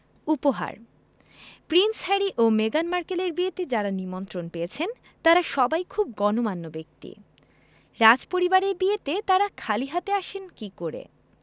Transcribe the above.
উপহার Prince Harry ও মেগান মার্কেলের বিয়েতে যাঁরা নিমন্ত্রণ পেয়েছেন তাঁরা সবাই খুব গণ্যমান্য ব্যক্তি রাজপরিবারের বিয়েতে তাঁরা খালি হাতে আসেন কী করে